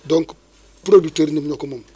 donc producteurs yi ñoom ñoo ko moom